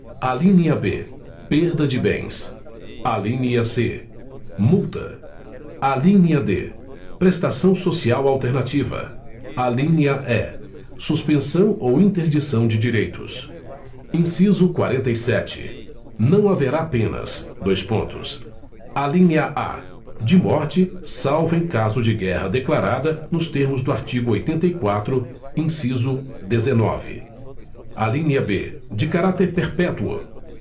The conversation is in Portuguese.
alínea b perda de bens alínea c multa alínea d prestação social alternativa alínea e suspensão ou interdição de direitos inciso quarenta e sete não haverá penas dois pontos alínea a de morte salvo em caso de guerra declarada nos termos do artigo oitenta e quatro inciso dezenove alínea b de caráter perpétuo